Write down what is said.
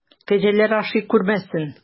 Кәҗәләр ашый күрмәсен!